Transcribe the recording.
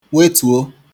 wetùo